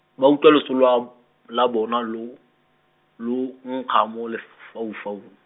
ba utlwa loso lwa, la bona lo, lo nkga mo lef- -faufaung.